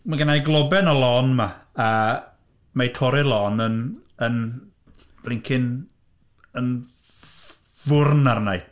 Mae genna i globen o lôn 'ma, a mae torri'r lôn yn yn blincin yn fwrn arna i.